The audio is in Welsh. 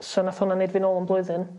So nath hwnna neud fi nôl am blwyddyn.